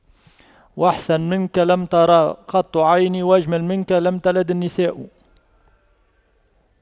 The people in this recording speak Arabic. وأحسن منك لم تر قط عيني وأجمل منك لم تلد النساء